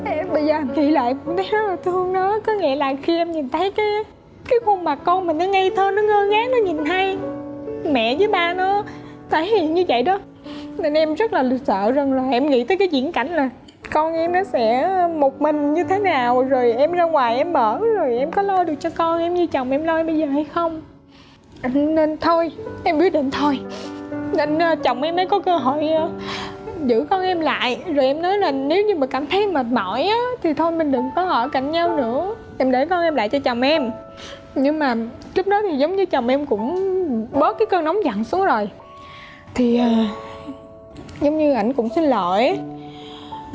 bây giờ em nghĩ lại em thấy rất là thương nó cứ nghĩ lại khi em nhìn thấy cái cái khuôn mặt con mình ngây thơ nó ngơ ngác nó nhìn hai mẹ với ba nó thể hiện như vậy đó nên em rất là sợ rằng là em nghĩ tới cái viễn cảnh là con em nó sẽ một mình như thế nào rồi em ra ngoài em ở rồi em có lo được cho con em như chồng em lo bây giờ hay không anh nên thôi em quyết định thôi nên chồng em mới có cơ hội giữ con em lại rồi em nói là nếu như mà cảm thấy mệt mỏi thì thôi mình đừng có ở cạnh nhau nữa em để con em lại cho chồng em nhưng mà trước đó thì giống như chồng em cũng bớt cái cơn nóng giận xuống rồi thì hà giống như ảnh cũng xin lỗi